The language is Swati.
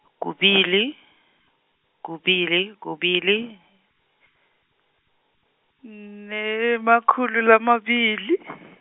kubili, kubili kubili, ne emakhulu lamabili .